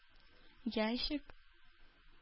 Ящик